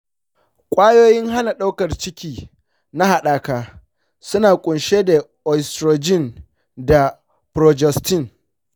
ƙwayoyin hana ɗaukar ciki na haɗaka suna ƙunshe da oestrogen da progestogen.